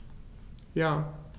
Ja.